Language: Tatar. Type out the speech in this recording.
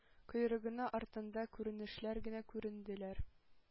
Койрыгыннан артындагы күренешләр генә күренделәр.